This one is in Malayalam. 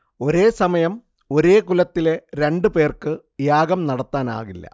ഒരേ സമയം ഒരേ കുലത്തിലെ രണ്ടുപേർക്ക് യാഗം നടത്താനാകില്ല